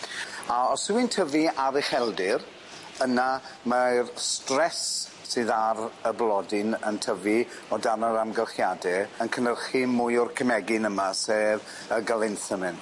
A os yw 'i'n tyfu ar ucheldir yna mae'r stress sydd ar y blodyn yn tyfu o dan yr amgylchiade yn cynyrchu mwy o'r cymegyn yma sef y galinthamin.